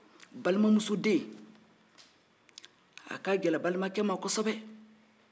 balimamusoden a ka gɛlɛn balimakɛ ma kosɛbɛ